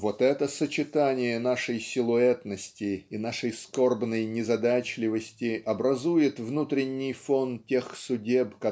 Вот это сочетание нашей силуетности и нашей скорбной незадачливости образует внутренний фон тех судеб